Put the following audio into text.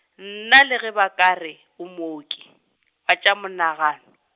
nna le ge ba ka re, o mooki, wa tša monagano.